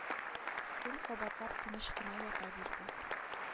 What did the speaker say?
Сын кабатлап тыныч кына ята бирде